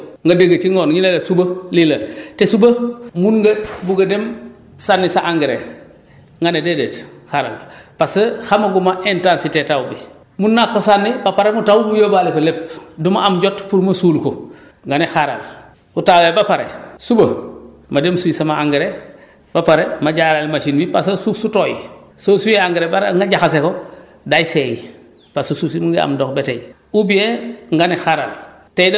voilà bu doon quotidien bi yow da ngay yeewu nga dégg ci ngoon ñu ne la suba lii la te suba mun nga bugg a dem sànni sa engrais nga ne déedéet xaaral parce que xamaguma intensité taw bi mun naa ko sànni ba pare mu taw mu yóbbaale ko lépp du ma am jot pour ma suul ko nga ne xaaral bu tawee ba pare suba ma def si sama engrais ba pare ma jaarale machine bi parce que suuf su tooy soo suyee engrais pare nga jaxase ko day seey parce que suuf si mu ngi am ndox ba tey